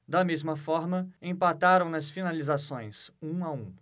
da mesma forma empataram nas finalizações um a um